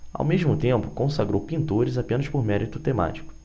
ao mesmo tempo consagrou pintores apenas por mérito temático